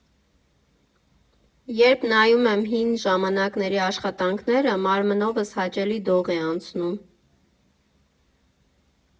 Երբ նայում եմ հին ժամանակների աշխատանքները, մարմնովս հաճելի դող է անցնում.